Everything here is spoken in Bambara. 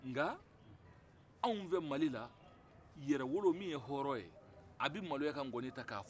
nga anw fɛ mali la yɛrɛwolo min ye hɔrɔn ye a bɛ maloya ka gɔni ta k'a fɔ